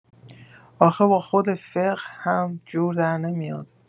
آخه با خود فقه هم جور در نمیاد!